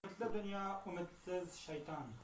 umidli dunyo umidsiz shayton